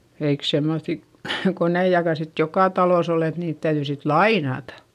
eikä semmoisia koneitakaan sitten joka talossa ollut että niitä täytyi sitten lainata